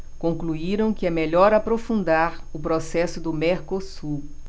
concluíram que é melhor aprofundar o processo do mercosul